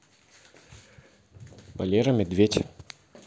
валера медведь